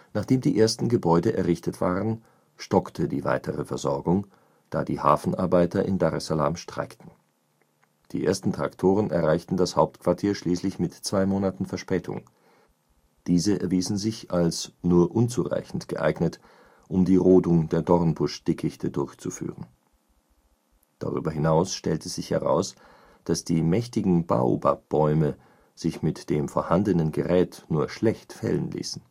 Nachdem die ersten Gebäude errichtet waren, stockte die weitere Versorgung, da die Hafenarbeiter in Dar es Salaam streikten. Die ersten Traktoren erreichten das Hauptquartier schließlich mit zwei Monaten Verspätung. Diese erwiesen sich als nur unzureichend geeignet, um die Rodung der Dornbusch-Dickichte durchzuführen. Darüber hinaus stellte sich heraus, dass die mächtigen Baobab-Bäume sich mit dem vorhandenen Gerät nur schlecht fällen ließen